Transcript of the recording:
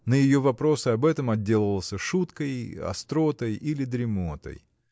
на ее вопросы об этом отделывался шуткой, остротой или дремотой.